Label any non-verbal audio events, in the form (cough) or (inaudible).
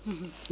(hesitation) (hesitation)